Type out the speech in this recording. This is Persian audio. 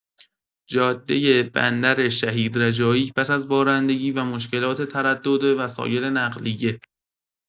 جاده بندر شهید رجایی پس از بارندگی و مشکلات تردد وسایل نقلیه.